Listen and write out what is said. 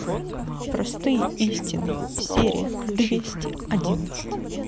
простые истины серия двести одиннадцать